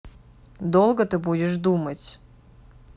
долго ты будешь думать